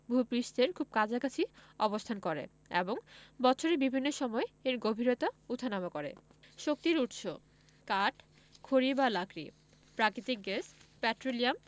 ভূ পৃষ্ঠের খুব কাছাকাছি অবস্থান করে এবং বৎসরের বিভিন্ন সময় এর গভীরতা উঠানামা করে শক্তির উৎসঃ কাঠ খড়ি বা লাকড়ি প্রাকিতিক গ্যাস পেট্রোলিয়াম